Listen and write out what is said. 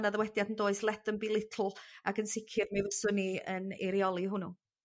Ma' 'na ddywediad yndoes let them be little ac yn sicir mi fyswn i yn eirioli hwnnw.